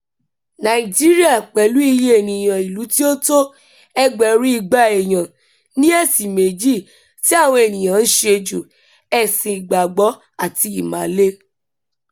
Nàìjíríà, pẹ̀lú iye ènìyàn ìlú tí ó tó ẹgbẹẹgbẹ̀rún 200 èèyàn, ní ẹ̀sìn méjì tí àwọn ènìyàn-án ń ṣe jù: ẹ̀sìn Ìgbàgbọ́ àti Ìmàle.